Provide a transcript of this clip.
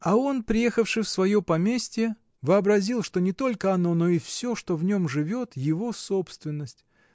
А он, приехавши в свое поместье, вообразил, что не только оно, но и всё, что в нем живет, — его собственность.